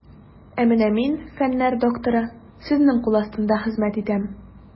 Ә менә мин, фәннәр докторы, сезнең кул астында хезмәт итәм.